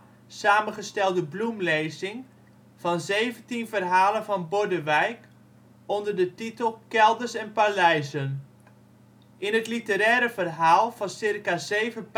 samengestelde bloemlezing van zeventien verhalen van Bordewijk onder de titel Kelders en Paleizen. In het literaire verhaal van circa zeven